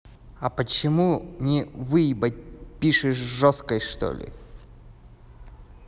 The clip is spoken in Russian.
а почему не выебать пишешь жесткой что ли